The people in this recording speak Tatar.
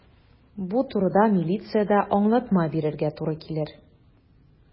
Бу турыда милициядә аңлатма бирергә туры килер.